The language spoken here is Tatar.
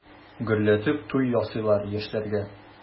Гөрләтеп туй ясыйлар яшьләргә.